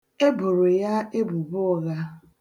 E boro ya ebubo ụgha.